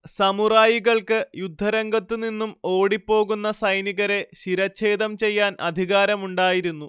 സമുറായികൾക്ക് യുദ്ധരംഗത്തുനിന്നും ഓടിപ്പോകുന്ന സൈനികരെ ശിരഛേദം ചെയ്യാൻ അധികാരമുണ്ടായിരുന്നു